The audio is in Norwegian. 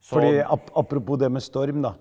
fordi apropos det med storm da.